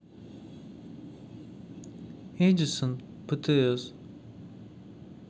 эдисон птс